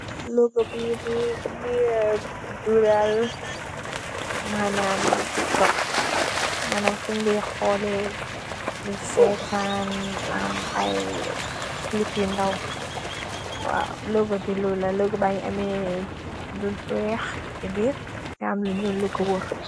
logo bi mogi bural mënam tiktok mënam fuñdi xoole di setaan am ay kilip yi ndaw waw logo bi lo lula bagi ame lu weex ci biir nga am lu ñuul lu ko wor.